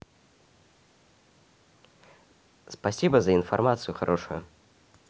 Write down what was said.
спасибо за информацию хорошую